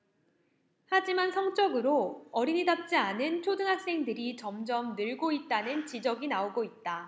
하지만 성적으로 어린이 답지 않은 초등학생들이 점점 늘고 있다는 지적이 나오고 있다